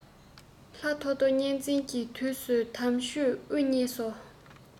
ལྷ ཐོ ཐོ གཉན བཙན གྱི དུས སུ དམ ཆོས དབུ བརྙེས སོ